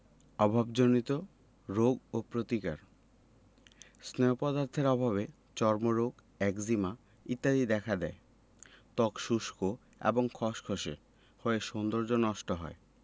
অভাবজনিত রোগ ও প্রতিকার স্নেহ পদার্থের অভাবে চর্মরোগ একজিমা ইত্যাদি দেখা দেয় ত্বক শুষ্ক এবং খসখসে হয়ে সৌন্দর্য নষ্ট হয়